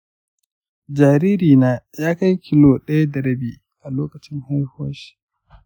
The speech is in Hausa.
jaririna ya kai kilo daya da rabi a lokacin haihuwa.